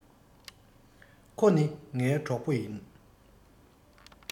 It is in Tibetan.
ཁོ ནི ངའི གྲོགས པོ ཡིན